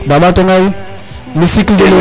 ba ɓaat o ŋaay